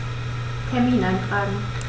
Termin eintragen